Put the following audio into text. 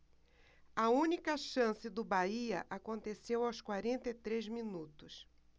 a única chance do bahia aconteceu aos quarenta e três minutos